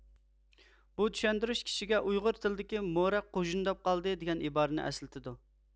بۇ چۈشەندۈرۈش كىشىگە ئۇيغۇر تىلىدىكى مورا قۇژۇنداپ قالدى دېگەن ئىبارىنى ئەسلىتىدۇ